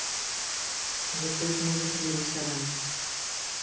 ютуб музыка для рисования